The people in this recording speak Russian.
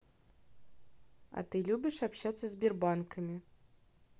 а ты любишь общаться сбербанками